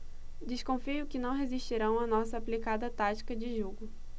desconfio que não resistirão à nossa aplicada tática de jogo